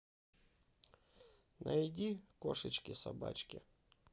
найди кошечки собачки